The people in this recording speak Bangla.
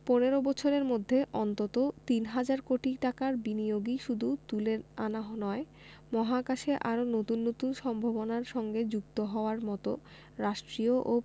১৫ বছরের মধ্যে অন্তত তিন হাজার কোটি টাকার বিনিয়োগই শুধু তুলে আনা নয় মহাকাশে আরও নতুন নতুন সম্ভাবনার সঙ্গে যুক্ত হওয়ার মতো রাষ্ট্রীয় ও